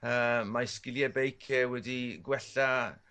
Yy mae sgilie beic e wedi gwella